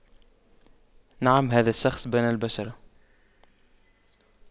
نعم هذا الشخص بين البشرة